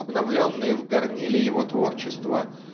обновленные в горниле его творчества